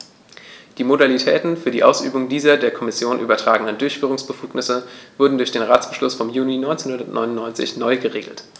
Die Modalitäten für die Ausübung dieser der Kommission übertragenen Durchführungsbefugnisse wurden durch Ratsbeschluss vom Juni 1999 neu geregelt.